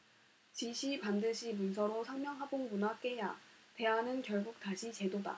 지시 반드시 문서로 상명하복 문화 깨야대안은 결국 다시 제도다